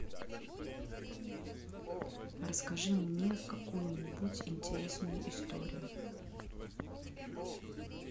расскажи мне какую нибудь интересную историю